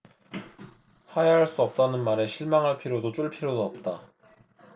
하야할 수 없다는 말에 실망할 필요도 쫄 필요도 없다